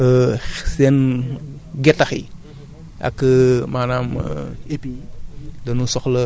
parce que ñoom seen getax yi ak maanaan